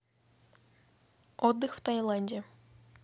отдых в таиланде